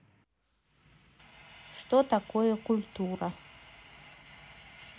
что такое культура